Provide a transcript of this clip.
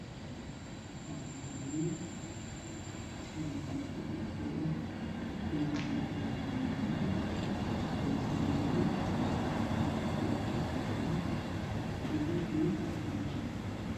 Waxaa ii muuqda galka mobeylka A51